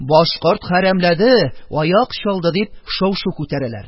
Башкорт хәрәмләде, аяк чалды! - дип шау-шу күтәрәләр,